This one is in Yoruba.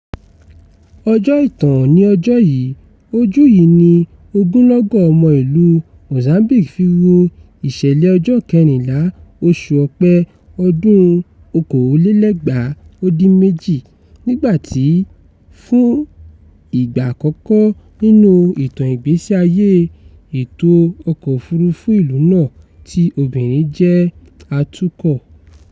Ọjọ́ ìtàn ni ọjọ́ yìí: ojú yìí ni ogunlọ́gọ̀ ọmọ-ìlú Mozambique fi wo ìṣẹ̀lẹ̀ ọjọ́ 14, oṣù Ọ̀pẹ ọdún 2018 nígbà tí, fún ìgbà àkókọ́ nínú ìtàn ìgbésí ayé ètò ọkọ̀ òfuurufú ìlú náà, tí obìnrin jẹ́ atukọ̀.